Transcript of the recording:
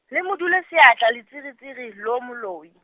le mo dule seatla letsiritsiri loo moloi.